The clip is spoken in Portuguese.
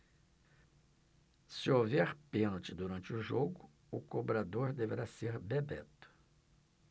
se houver pênalti durante o jogo o cobrador deverá ser bebeto